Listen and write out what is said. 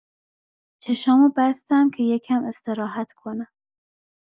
چشامو بستم که یکم استراحت کنم.